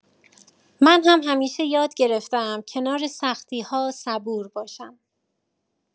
من هم همیشه یاد گرفته‌ام کنار سختی‌ها صبور باشم.